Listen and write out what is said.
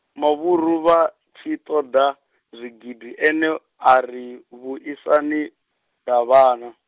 mavhuru vha, tshi ṱoḓa, zwigidi ene ari vhuisani, Davhana.